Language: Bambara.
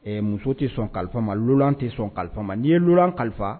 Ɛɛ muso tɛ sɔn kalifa ma, lolan tɛ sɔn kalifa ma, n'i ye lolan kalifa